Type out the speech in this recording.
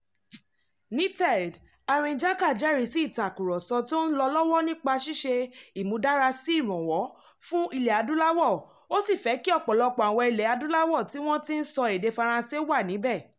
Ní TED, Harinjaka jẹ́rìí sí ìtàkurọ̀sọ̀ tí ó ń lọ lọ́wọ́ nípa ṣíṣe ìmúdárasi ìrànwọ̀ fún ilẹ̀ adúláwò ó sì fẹ́ kí ọ̀pọ̀lọpọ̀ àwọn ilẹ̀ adúláwò tí wọ́n ti ń sọ èdè Faranse wà níbẹ̀.